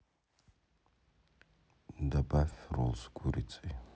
добавь ролл с курицей